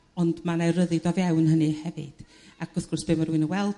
Ond ma' 'ne ryddid o fewn hynny hefyd ac wrth gwrs be' ma' rywun yn weld